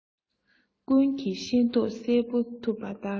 ཀུན གྱིས ཤེས རྟོགས གསལ པོ ཐུབ པ ལྟར